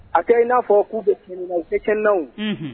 A kɛra in'a fɔ k'u bɛ tiɲɛni na u tɛ tiɲɛni na o unhun